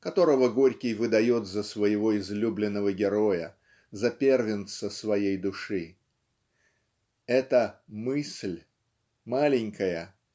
которого Горький выдает за своего излюбленного героя за первенца своей души! Эта "Мысль" маленькая